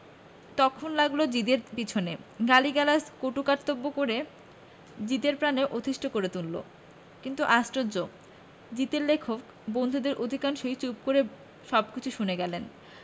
তখন লাগল জিদের পেছনে গালিগালাজ কটুকাটব্য করে জিদে র প্রাণ অতিষ্ঠ করে তুলল কিন্তু আশ্চর্য জিদে র লেখক বন্ধুদের অধিকাংশই চুপ করে সবকিছু শুনে গেলেন